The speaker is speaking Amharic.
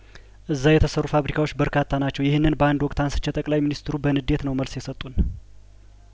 እዛ የተሰሩ ፋብሪካዎች በርካታ ናቸው ይህንን በአንድ ወቅት አንስቼ ጠቅላይሚኒስትሩ በንዴት ነው መልስ የሰጡን